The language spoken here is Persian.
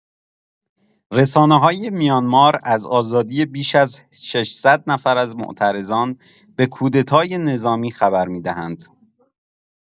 رسانه‌های میانمار از آزادی بیش از ۶۰۰ نفر از معترضان به کودتای نظامی خبر می‌دهند.